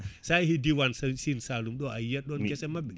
sa yeehi diwan Sine Saloum ɗo a yiyatɗon guessa mabɓe